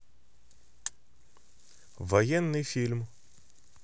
военный фильм